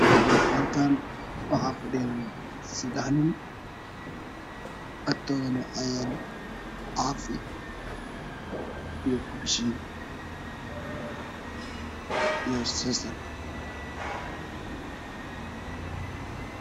Halkaan waxaa fadhiyo sadex nin agtoodana waxaa yaalo caafi io gubashiin iyo seesar